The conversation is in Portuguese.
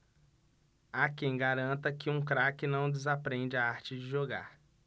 há quem garanta que um craque não desaprende a arte de jogar